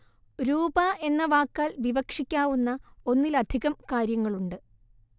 രൂപ എന്ന വാക്കാൽ വിവക്ഷിക്കാവുന്ന ഒന്നിലധികം കാര്യങ്ങളുണ്ട്